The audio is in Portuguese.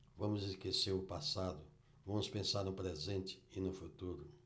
vamos esquecer o passado vamos pensar no presente e no futuro